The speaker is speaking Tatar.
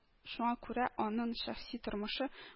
Шуңа күрә аның шәхси тормышы